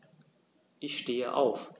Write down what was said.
Ich stehe auf.